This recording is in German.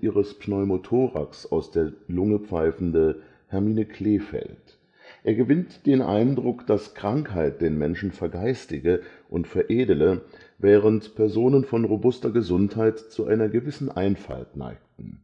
ihres Pneumothorax aus der Lunge pfeifende Hermine Kleefeld. Er gewinnt den Eindruck, dass Krankheit den Menschen vergeistige und veredele, während Personen von robuster Gesundheit zu einer gewissen Einfalt neigten.